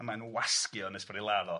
A mae'n wasgu o nes fod o'n ladd o.